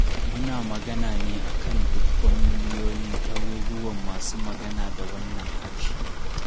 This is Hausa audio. Muna magana ne akan dubban miliyoyin ɗaruruwan masu magana da wannan harshe.